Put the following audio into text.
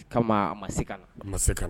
Kama a ma se ka ka